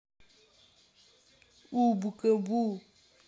у букабу